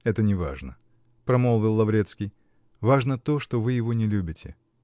-- Это не важно, -- промолвил Лаврецкий, -- важно то, что вы его не любите.